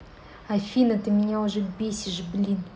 афина ты меня уже бесишь блин